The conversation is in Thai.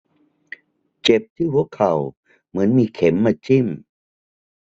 เจ็บที่หัวเข่าเหมือนมีเข็มมาจิ้ม